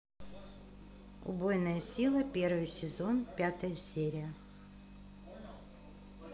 убойная сила первый сезон пятая серия